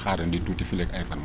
xaarandi tuuti fileeg ay fan